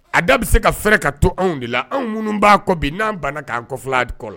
A da bɛ se ka fɛrɛ k'a to anw de la, anw minnu b'a kɔ bi n'an banna k'an kɔfilɛ a kɔ la.